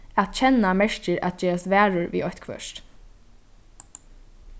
at kenna merkir at gerast varur við eitthvørt